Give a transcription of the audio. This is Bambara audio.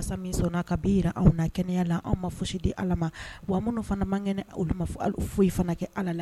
Masa min sɔnna ka bɛ jira anw na kɛnɛya la anw ma fosi di Ala ma wa minnu fana man kɛnɛ olu ma foyi fana kɛ Ala la